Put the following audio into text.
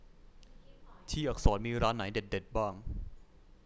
ที่อักษรมีร้านไหนเด็ดเด็ดบ้าง